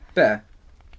Be?